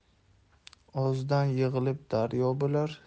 ozdan yig'ilib daryo bo'lar